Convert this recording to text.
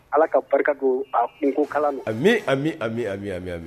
Ala ka barika don a kunkokala ami ami ami ami ami ami